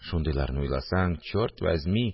Шундыйларны уйласаң, чёрт вәзми